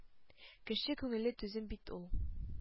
Кеше күңеле түзем бит ул.